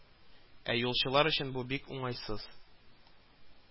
Ә юлчылар өчен бу бик уңайсыз